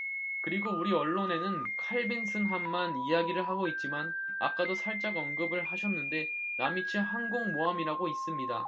그리고 우리 언론에는 칼빈슨함만 이야기를 하고 있지만 아까 도 살짝 언급을 하셨는데 니미츠 항공모함이라고 있습니다